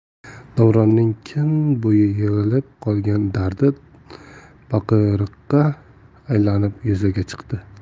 davronning kun bo'yi yig'ilib qolgan dardi baqiriqqa aylanib yuzaga chiqdi